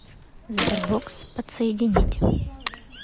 sberbox подсоединить